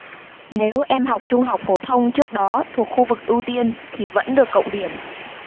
nếu em học trung học phổ thông trước đó thuộc khu vực ưu tiên thì vẫn được cộng điểm